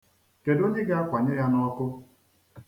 Kedu onye ga-akwanye ya n'ọkụ?